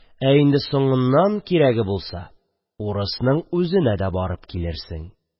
. ә инде соңыннан, кирәге булса, урысның үзенә дә барып килерсең.